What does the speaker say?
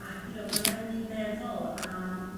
ac you know ma' raid i ni meddwl am